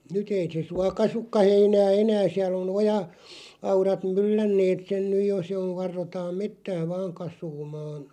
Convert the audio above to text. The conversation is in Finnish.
nyt ei se suo kasvakaan heinää enää siellä on - oja-aurat myllänneet sen nyt jo se on varrotaan metsää vain kasvamaan